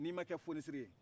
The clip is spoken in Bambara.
n'i ma kɛ fonisere ye